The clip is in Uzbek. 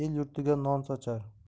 el yurtiga non sochar